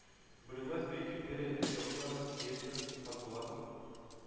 «бүленмәс бөек империя» идеологлары, ельцин, хасбулатов,